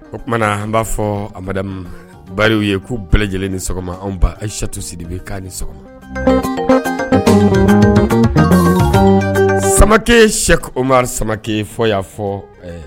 O tumana an b'a fɔ madame bariw ye k'u bɛɛ lajɛlen ni sɔgɔma anw ba Ayisatu Sidibe k'a ni sɔgɔma, Samakɛ Sɛki Umaru Samakɛ fo y'a fo